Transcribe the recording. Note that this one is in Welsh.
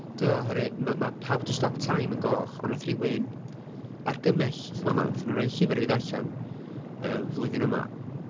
Do oherwydd m- mae How to stop time yn goch ond wnaeth rhywun argymell, dwi'n meddwl wnaethon nhw rhoi llyfr i fi ddarllen yy flwyddyn yma